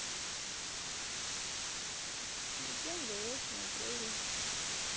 легенды осени трейлер